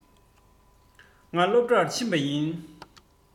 ང སློབ གྲྭར ཕྱིན པ ཡིན